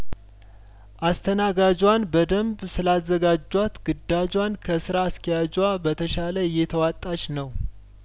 አስተናጋጇን በደንብ ስላዘጋጇት ግዳጇን ከስራ አስኪያጇ በተሻለእየተዋጣች ነው